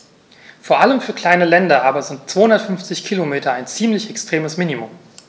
Vor allem für kleine Länder aber sind 250 Kilometer ein ziemlich extremes Minimum.